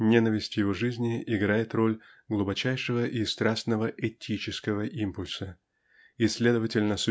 ненависть в его жизни играет роль глубочайшего и страстного этического импульса и следовательно